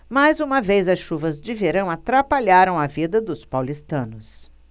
mais uma vez as chuvas de verão atrapalharam a vida dos paulistanos